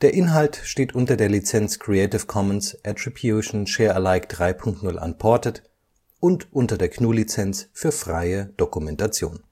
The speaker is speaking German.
Inhalt steht unter der Lizenz Creative Commons Attribution Share Alike 3 Punkt 0 Unported und unter der GNU Lizenz für freie Dokumentation